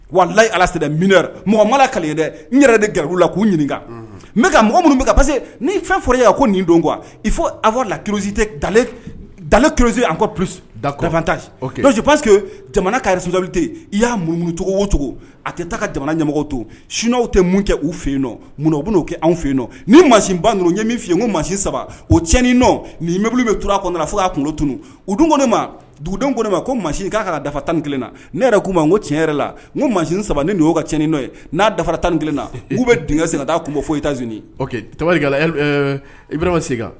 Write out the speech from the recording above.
Wa la alase minɛ mɔgɔ manala kale ye dɛ n yɛrɛ de gariruru la k'u ɲininka ne ka mɔgɔ minnu bɛ parcese ni fɛn fɔra e a ko nin don kuwa i fɔ a fɔra la kisi tɛle kisi an p datasi pase jamana ka sunjatali tɛ i y'a mununucogo wocogo a tɛ taa ka jamana ɲɛmɔgɔ to sunw tɛ mun kɛ u fɛ yen nɔ mun u bɛ'o kɛ anw fɛ yen nɔ ni masi ba ninnu ɲɛ min fɔ yen ko masi saba o cɛnin nɔ ninbolo bɛ t kɔnɔ a fo y'a kunkolo tunun u dun kɔnɔ ma dugudenw kɔnɔ ma ko masi k'a ka dafa tan ni kelen na ne yɛrɛ k'u ma ko cɛn yɛrɛ la ko ma saba ni numu ka cɛnin nɔ ye n'a dafara tan ni kelen na k'u bɛ d sen'a kun fɔ fo i taa z ta i ma se